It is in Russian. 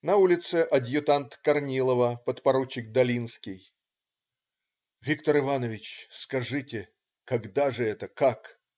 На улице - адъютант Корнилова подпоручик Долинский - "Виктор Иванович! Скажите. когда же это?. как?.